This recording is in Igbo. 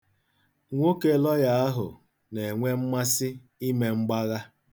Nwoke lọya ahụ na-enwe mmasị ime mgbagha.